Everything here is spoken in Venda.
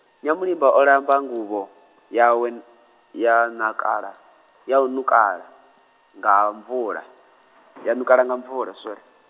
Nyamulimba o lamba nguvho, yawe n-, ya nakala, ya u ṋukala, nga mvula, ya ṋukala nga mvula sorry.